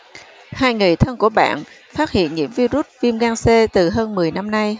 hai người thân của bạn phát hiện nhiễm virus viêm gan c từ hơn mười năm nay